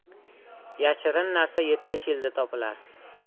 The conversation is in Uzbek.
yashirin narsa yetmish yilda topilar